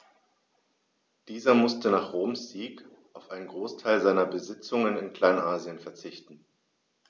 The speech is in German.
Dieser musste nach Roms Sieg auf einen Großteil seiner Besitzungen in Kleinasien verzichten.